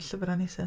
Llyfrau nesaf?